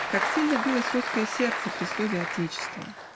Как сильно билось русское сердце при слове отечество!